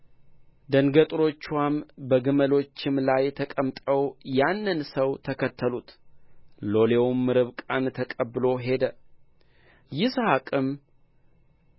ደንገጥሮችዋም በግመሎችም ላይ ተቀምጠው ያንን ሰው ተከተሉት ሎሌውም ርብቃን ተቀብሎ ሄደ ይስሐቅም